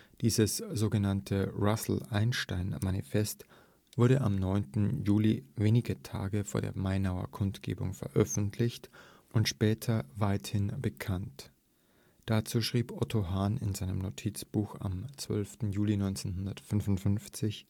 Dieses sogenannte Russell-Einstein-Manifest wurde am 9. Juli, wenige Tage vor der Mainauer Kundgebung veröffentlicht und später weithin bekannt. Dazu schrieb Otto Hahn in seinem Notizbuch am 12. Juli 1955: „ Der